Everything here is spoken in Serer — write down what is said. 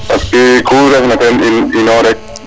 parce que ku ref na ten ino rek